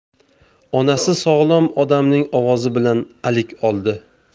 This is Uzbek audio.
onasi sog'lom odamning ovozi bilan alik oldi